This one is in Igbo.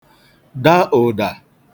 da ụ̀dà